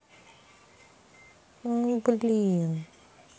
ну блин